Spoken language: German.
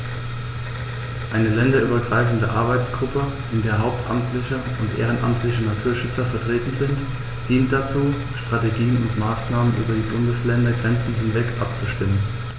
Eine länderübergreifende Arbeitsgruppe, in der hauptamtliche und ehrenamtliche Naturschützer vertreten sind, dient dazu, Strategien und Maßnahmen über die Bundesländergrenzen hinweg abzustimmen.